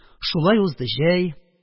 Шулай узды җәй